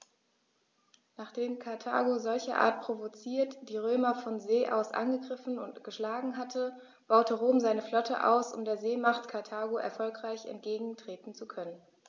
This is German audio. Nachdem Karthago, solcherart provoziert, die Römer von See aus angegriffen und geschlagen hatte, baute Rom seine Flotte aus, um der Seemacht Karthago erfolgreich entgegentreten zu können.